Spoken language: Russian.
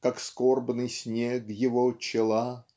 Как скорбный снег его чела.